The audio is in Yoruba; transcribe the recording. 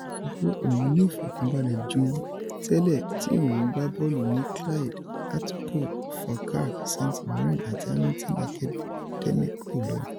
Ross sọ pé òun ní ìfọ̀kànbalẹ̀ ju tẹlẹ̀ tí òun ń gbá bọ́ọ̀lù ní Clyde, Hartlepool, Falkirk, St Mirren àti Hamilton Academical lọ.